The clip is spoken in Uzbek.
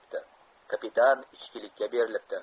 kapitan ichkilikka berilibdi